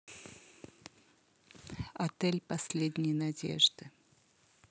отель последней надежды